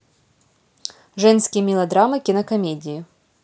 женские мелодрамы кинокомедии